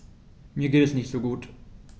Mir geht es nicht gut.